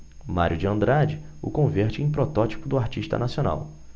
mário de andrade o converte em protótipo do artista nacional